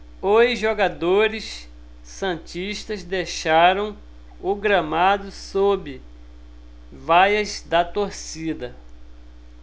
os jogadores santistas deixaram o gramado sob vaias da torcida